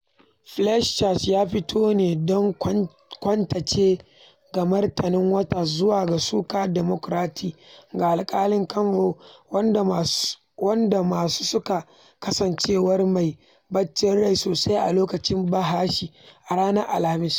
Fleischer yana fitowa ne don kwatanci ga martanin Waters zuwa ga sukar Democrats ga Alƙali Kavanaugh, wanda aka masu suka na kasancewa kamar mai ɓacin rai sosai a lokacin jin bahasi na ranar Alhamis.